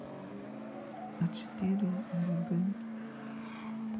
а четыре грибы